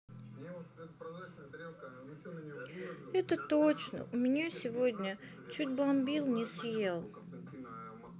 это точно у меня сегодня чуть бомбил не съел